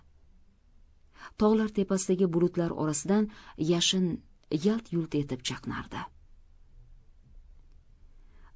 tog'lar tepasidagi bulutlar orasidan yashin yalt yult etib chaqnardi